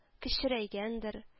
Кечерәйгәндер